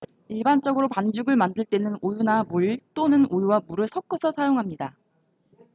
일반적으로 반죽을 만들 때는 우유나 물 또는 우유와 물을 섞어서 사용합니다